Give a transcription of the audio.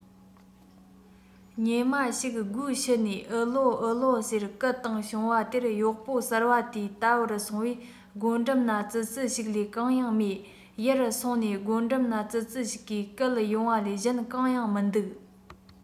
ཉི མ ཞིག སྒོའི ཕྱི ནས ཨུ ལའོ ཨུ ལའོ ཟེར སྐད བཏང བྱུང བ དེར གཡོག པོ གསར པ དེས ལྟ བར སོང བས སྒོ འགྲམ ན ཙི ཙི ཞིག ལས གང ཡང མེད ཡར སོང ནས སྒོ འགྲམ ན ཙི ཙི ཞིག གིས སྐད གཡོང བ ལས གཞན གང ཡང མི འདུག